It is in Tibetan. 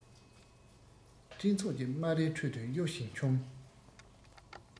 སྤྲིན ཚོགས ཀྱི སྨ རའི ཁྲོད དུ གཡོ ཞིང འཁྱོམ